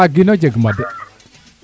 wagino jeg ma de